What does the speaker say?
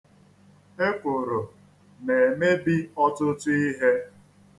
Ekworo na-emebi ọtụtụ ihe.